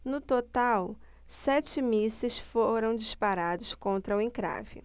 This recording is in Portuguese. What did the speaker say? no total sete mísseis foram disparados contra o encrave